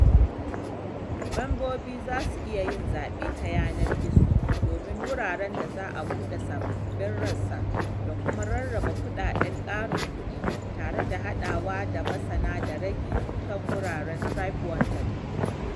Mambobi za su iya yin zaɓe ta yanar gizo domin wuraren da za a bude sababbin rassa da kuma rarraba kuɗaɗen ƙarin kudi, tare da haɗawa da masana da ragi akan wuraren TribeWanted.